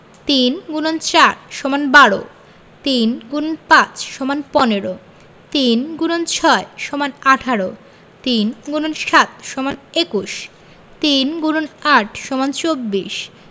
৩ X ৪ = ১২ ৩ X ৫ = ১৫ ৩ x ৬ = ১৮ ৩ × ৭ = ২১ ৩ X ৮ = ২৪